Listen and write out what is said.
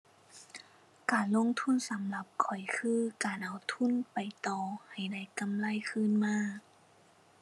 การลงทุนสำหรับข้อยคือ การเอาทุนไปต่อให้ได้กำไรคืนมา